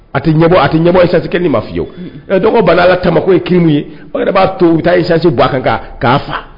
A tɛ ɲɛmɔgɔ a tɛ ɲɛmɔgɔ yesɛ ni ma lafiye dɔgɔ bala ka tama ko ye kmu ye aw yɛrɛ b'a to bɛ taa isise bu a kan kan k'a fa